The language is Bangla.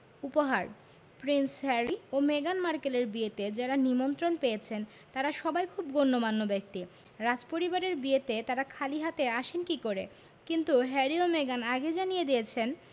উপহার প্রিন্স হ্যারি ও মেগান মার্কেলের বিয়েতে যাঁরা নিমন্ত্রণ পেয়েছেন তাঁরা সবাই খুব গণ্যমান্য ব্যক্তি রাজপরিবারের বিয়েতে তাঁরা খালি হাতে আসেন কী করে কিন্তু হ্যারি ও মেগান আগেই জানিয়ে দিয়েছেন